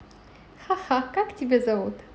хаха как тебя зовут